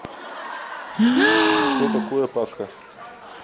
что такое пасха